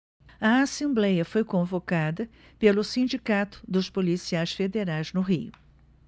a assembléia foi convocada pelo sindicato dos policiais federais no rio